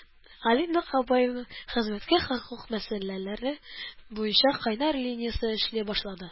Алинә Кабаеваның хезмәткә хокук мәсьәләләре буенча кайнар линиясе эшли башлады